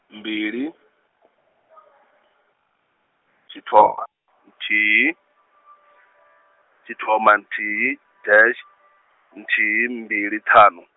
mbili, tshithoma nthihi, tshithoma nthihi, dash, nthihi mbili ṱhanu.